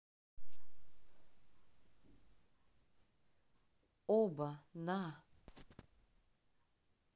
оба на